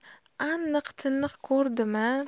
aniq taniq ko'rdim a